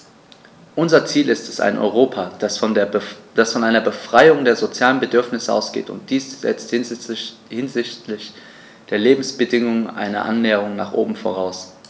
Unser Ziel ist ein Europa, das von einer Befriedigung der sozialen Bedürfnisse ausgeht, und dies setzt hinsichtlich der Lebensbedingungen eine Annäherung nach oben voraus.